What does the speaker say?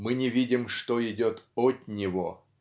мы не видим, что идет от него.